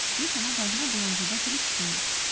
Здесь она должна была ожидать Алексея.